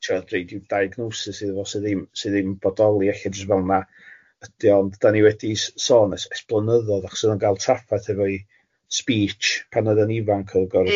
...tibod reid rw diagnosis iddo fo sy ddim sy ddim bodoli ella jyst fel na ydi o ond dan ni wedi s- sôn ers ers blynyddoedd achos oedd o'n ga'l trafferth efo'i speech pan oedd o'n ifanc o'n gorfod cal... Ia.